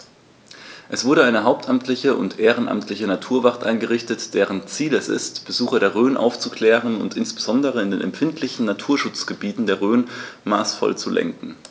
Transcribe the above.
Es wurde eine hauptamtliche und ehrenamtliche Naturwacht eingerichtet, deren Ziel es ist, Besucher der Rhön aufzuklären und insbesondere in den empfindlichen Naturschutzgebieten der Rhön maßvoll zu lenken.